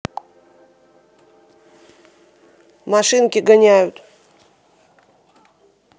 машинки гоняют